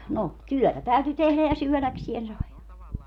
no työtä täytyi tehdä ja syödäkseen sai